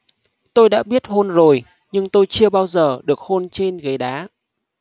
tôi đã biết hôn rồi nhưng tôi chưa bao giờ được hôn trên ghế đá